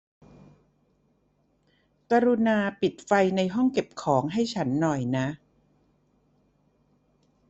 กรุณาปิดไฟในห้องเก็บของให้ฉันหน่อยนะ